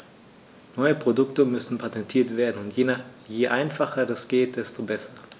Neue Produkte müssen patentiert werden, und je einfacher das geht, desto besser.